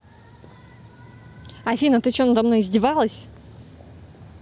афина ты че надо мной издевалась